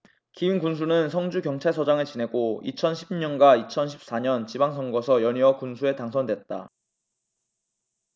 김 군수는 성주경찰서장을 지내고 이천 십 년과 이천 십 사 년 지방선거에서 연이어 군수에 당선됐다